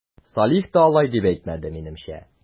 Салих та алай дип әйтмәде, минемчә...